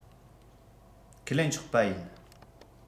ཁས ལེན ཆོག པ ཡིན